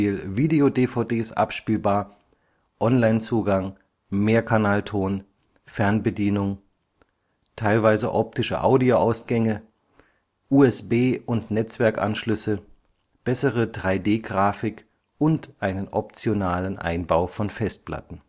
Video-DVDs abspielbar, Onlinezugang, Mehrkanalton, Fernbedienung optional), teilweise optische Audio-Ausgänge, USB - und Netzwerkanschlüsse, bessere 3D-Grafik und einen optionalen Einbau von Festplatten